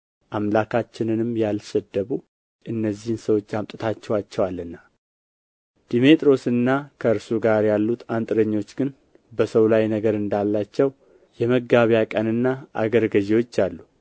አምላካችንንም ያልሰደቡ እነዚህን ሰዎች አምጥታችኋቸዋልና ድሜጥሮስና ከእርሱ ጋር ያሉት አንጥረኞች ግን በሰው ላይ ነገር እንዳላቸው የመጋቢያ ቀንና አገረ ገዢዎች አሉ